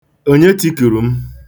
Onye tikuru m?